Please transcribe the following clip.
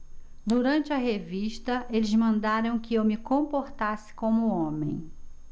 durante a revista eles mandaram que eu me comportasse como homem